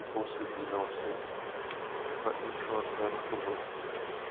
deposi bino va inshootlari quriladi